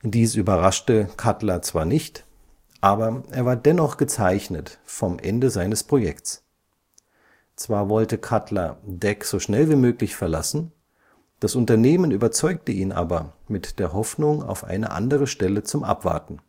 Dies überraschte Cutler zwar nicht, aber er war dennoch gezeichnet vom Ende seines Projekts. Zwar wollte Cutler DEC so schnell wie möglich verlassen, das Unternehmen überzeugte ihn aber mit der Hoffnung auf eine andere Stelle zum Abwarten